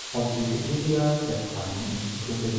aus Wikipedia, der freien Enzyklopädie